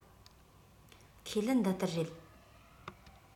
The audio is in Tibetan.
ཁས ལེན འདི ལྟར རེད